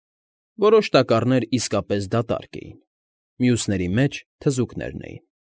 Որոշ տակառներ իսկապես դատարկ էին, մյուսների մեջ թզուկներն էին։